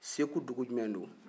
segu dugu jumɛn don